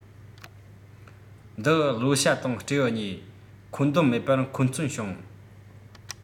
འདི ལོ བྱ དང སྤྲེའུ གཉིས འཁོན དོན མེད པར འཁོན རྩོད བྱུང